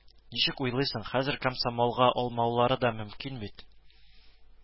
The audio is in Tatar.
Ничек уйлыйсың, хәзер комсомолга алмаулары да мөмкин бит